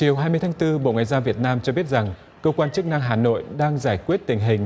chiều hai mươi tháng tư bộ ngoại giao việt nam cho biết rằng cơ quan chức năng hà nội đang giải quyết tình hình